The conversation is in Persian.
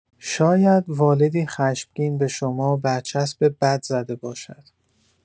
شاید والدی خشمگین به شما برچسب بد زده باشد.